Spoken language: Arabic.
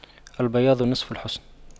البياض نصف الحسن